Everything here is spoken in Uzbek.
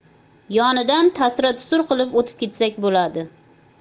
yonidan tasira tusur qilib o'tib ketsak bo'ladi